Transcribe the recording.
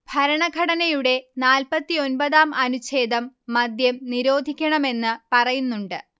ഭരണഘടനയുടെ നാല്പ്പത്തിയൊന്പതാം അനുഛേദം മദ്യം നിരോധിക്കണമെന്ന് പറയുന്നുണ്ട്